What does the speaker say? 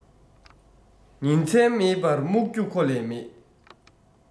ཉིན མཚན མེད པར རྨུག རྒྱུ ཁོ ལས མེད